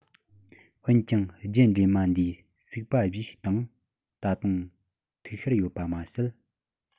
འོན ཀྱང རྒྱུད འདྲེས མ འདིའི སུག པ བཞིའི སྟེང ད དུང ཐིག ཤར ཡོད པ མ ཟད